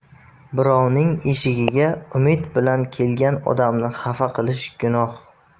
birovning eshigiga umid bilan kelgan odamni xafa qilish gunoh